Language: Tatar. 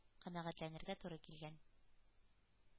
Канәгатьләнергә туры килгән.